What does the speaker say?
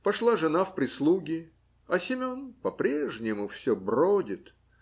Пошла жена в прислуги, а Семен по-прежнему все бродит.